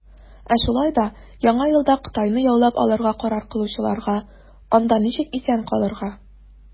Ә шулай да Яңа елда Кытайны яулап алырга карар кылучыларга, - анда ничек исән калырга.